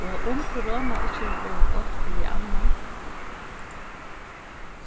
og um korona ikki hevur verið gott fyri annað